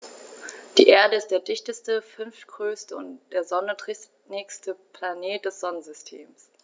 Die Erde ist der dichteste, fünftgrößte und der Sonne drittnächste Planet des Sonnensystems.